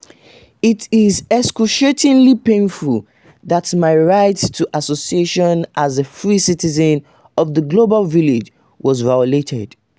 It is excruciatingly painful that my right to associate as a free citizen of the global village was violated.